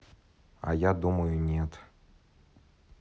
а я думаю нет